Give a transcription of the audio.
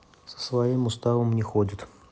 со своим уставом не ходят